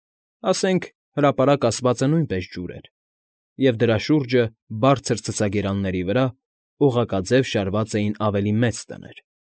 Ասենք, հրապարակ ասվածը նույնպս ջուր էր, և դրա շուրջը, բարձր ցցագերանների վրա, օղակաձև շարված էին ավելի մեծ տներ։